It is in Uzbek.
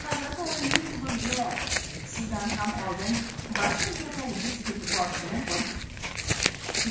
hazrati oliyning huzuriga sizdan ham oldin ba'zi bir gaplaringiz yetib borishi mumkin